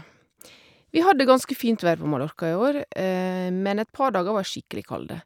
Vi hadde ganske fint vær på Mallorca i år, men et par dager var skikkelig kalde.